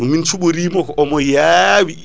min cuɓorimo ko omo yaawi